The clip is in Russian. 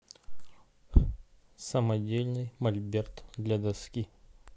самодельный мольберт для доски